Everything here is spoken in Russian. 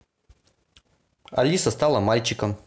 алиса стала мальчиком